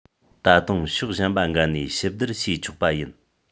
ད དུང ཕྱོགས གཞན པ འགའ ནས ཞིབ བསྡུར བྱེད ཆོག པ ཡིན